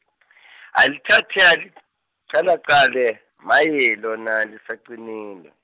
ali thathe aliq- -qalaqale, maye lona lisaqinile.